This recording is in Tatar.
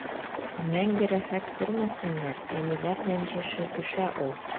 Мәңге рәхәт күрмәсеннәр, әниләр рәнҗеше төшә ул.